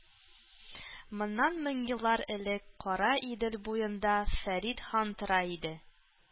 Моннан мең еллар элек Кара Идел буенда Фәрит хан тора иде.